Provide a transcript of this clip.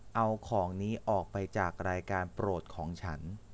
เอาสินค้านี้ออกไปจากรายการโปรดของฉัน